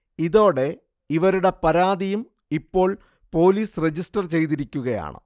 ഇതോടെ ഇവരുടെ പരാതിയും ഇപ്പോൾ പോലീസ് രജിസ്റ്റർ ചെയ്തിരിക്കുകയാണ്